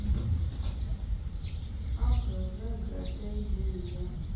а б в г д е е